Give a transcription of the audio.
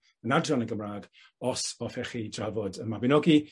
yn Adran y Gymra'g os hoffech chi drafod y Mabinogi